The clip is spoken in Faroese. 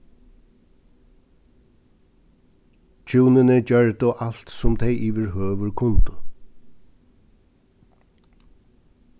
hjúnini gjørdu alt sum tey yvirhøvur kundu